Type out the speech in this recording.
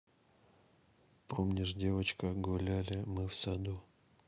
помнишь девочка гуляли мы в саду